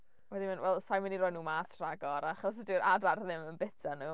Wedd hi'n mynd "wel sa i'n mynd i roi nhw mas ragor, achos dyw'r adar ddim yn byta nhw".